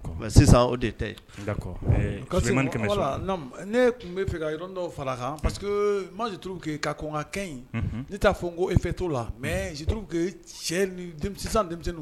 Mais sisan o de te yen . d'accord Kasimu ne kun bi fɛ ka yɔrɔ dɔ fara kan. parceque moi je trouve que ka kɔn ka kɛ in ,ne ta fɔ ko effet to la . Mais je trouve que sisan denmisɛnninw